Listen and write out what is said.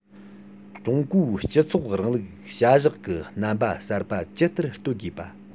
ཀྲུང གོའི སྤྱི ཚོགས རིང ལུགས བྱ གཞག གི རྣམ པ གསར པ ཇི ལྟར གཏོད དགོས བ